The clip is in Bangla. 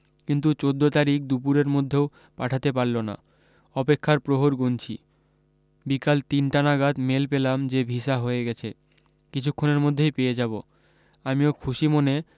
কিন্তু চোদ্দ তারিখ দুপুরের মধ্যেও পাঠাতে পারলো না অপেক্ষার প্রহর গুনছি বিকাল তিনটা নাগাদ মেল পেলাম যে ভিসা হয়ে গেছে কিছুক্ষণের মধ্যেই পেয়ে যাবো আমিও খুশি মনে